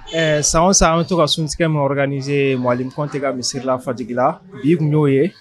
Ɛ san san an bɛ to ka suntigɛgɛ malianisee mali kɔn tɛ ka misi la fajigi la bi'i kun y'o ye